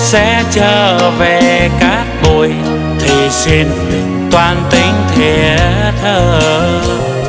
sẽ trở về cát bụi thì xin đừng toan tính thiệt hơn